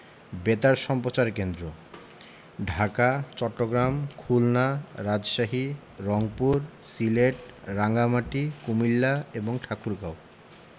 বেতার সম্প্রচার কেন্দ্রঃ ঢাকা চট্টগ্রাম খুলনা রাজশাহী রংপুর সিলেট রাঙ্গামাটি কুমিল্লা এবং ঠাকুরগাঁও